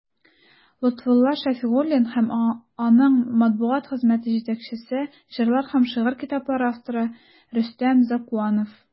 Лотфулла Шәфигуллин һәм аның матбугат хезмәте җитәкчесе, җырлар һәм шигырь китаплары авторы Рөстәм Зәкуанов.